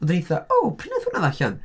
Ac o'n i fatha "o pryd ddaeth hwnna allan"?